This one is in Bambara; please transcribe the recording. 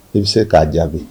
I bɛ se k'a jaabi